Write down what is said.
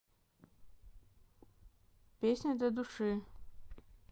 песня для души